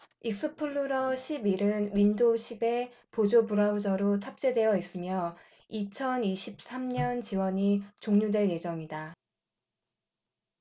익스플로러 십 일 은 윈도 십 에 보조 브라우저로 탑재되어 있으며 이천 이십 삼 년 지원이 종료될 예정이다